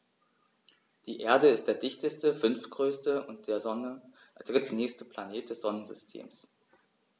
Die Erde ist der dichteste, fünftgrößte und der Sonne drittnächste Planet des Sonnensystems.